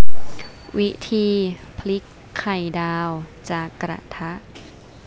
วิธีพลิกไข่ดาวจากกระทะ